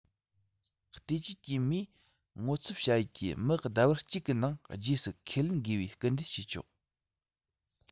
བལྟོས བཅས ཀྱི མིས ངོ ཚབ བྱ ཡུལ གྱི མིར ཟླ བ གཅིག གི ནང རྗེས སུ ཁས ལེན དགོས པའི སྐུལ འདེད བྱས ཆོག